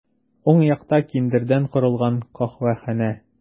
Уң якта киндердән корылган каһвәханә.